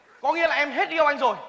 có nghĩa là em hết yêu anh rồi